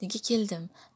nega keldim